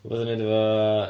rwbeth i wneud efo...